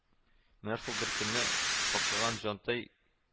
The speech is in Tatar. Менә шул беркөнне шакыган Җантай